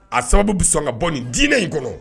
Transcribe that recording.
A sababu bɛ sɔn ka bɔ nin diinɛ in kɔnɔ